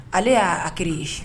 Ale y'aki ye